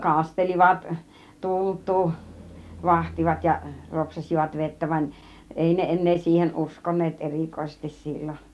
kastelivat tultua vahtivat ja ropsaisivat vettä vaan ei ne enää siihen uskoneet erikoisesti silloin